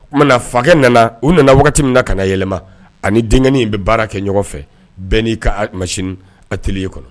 Oumana fagakɛ nana u nana wagati min na ka na yɛlɛma ani denkɛin in bɛ baara kɛ ɲɔgɔn fɛ bɛɛ n'i ka mas a teli kɔnɔ